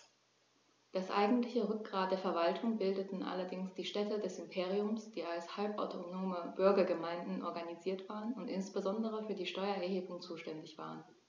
Das eigentliche Rückgrat der Verwaltung bildeten allerdings die Städte des Imperiums, die als halbautonome Bürgergemeinden organisiert waren und insbesondere für die Steuererhebung zuständig waren.